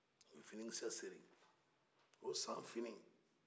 u ye finikisɛ seri o san fini